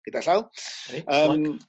gyda llaw. 'Na ni. Plyg. Yym.